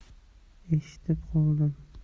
eshitib qoldim